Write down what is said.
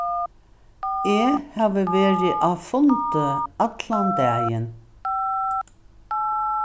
eg havi verið á fundi allan dagin